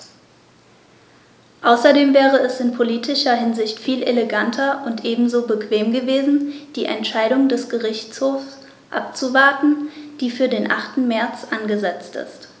Außerdem wäre es in politischer Hinsicht viel eleganter und ebenso bequem gewesen, die Entscheidung des Gerichtshofs abzuwarten, die für den 8. März angesetzt ist.